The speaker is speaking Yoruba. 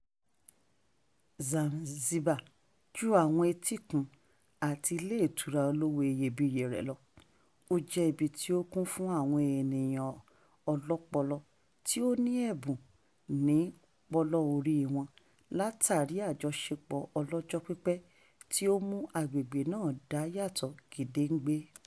Zanzibar ju àwọn etíkun àti ilé ìtura olówó iyebíye rẹ̀ lọ — ó jẹ́ ibi tí ó kún fún àwọn ènìyàn ọlọ́pọlọ tí ó ní ẹ̀bùn ní poolo orí wọn látàrí àjọṣepọ̀ ọlọ́jọ́ pípẹ́ tí ó mú agbègbè náà dá yàtọ̀ gedegbe.